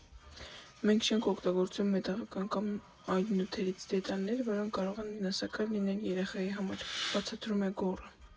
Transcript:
Մենք չենք օգտագործում մետաղական կամ այլ նյութերից դետալներ, որոնք կարող են վնասակար լինել երեխայի համար», ֊ բացատրում է Գոռը։